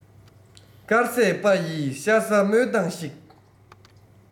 དཀར ཟས པ ཡིས ཤ ཟ སྨོད སྟངས ཤིག